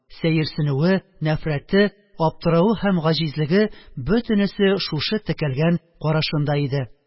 Сәерсенүе, нәфрәте, аптыравы һәм гаҗизлеге – бөтенесе шушы текәлгән карашында иде.